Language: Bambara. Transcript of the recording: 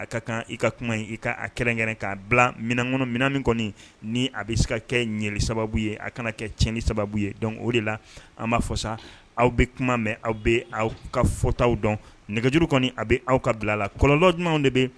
A ka kan ka kuma i kaa kɛrɛnkɛ' bila minɛn kɔnɔ min min kɔni ni a bɛ se ka kɛ ɲ sababu ye aw kana kɛ cɛn sababu ye dɔn o de la an b'a fɔ sa aw bɛ kuma mɛn aw bɛ aw ka fɔtaw dɔn nɛgɛjuru kɔni aw bɛ aw ka bila la kɔlɔnlɔ jumɛnw de bɛ